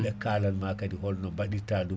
ɓe kalanma kaadi holno baɗirta ɗum